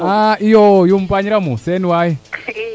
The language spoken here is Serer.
a yumpañ Ramou SENE way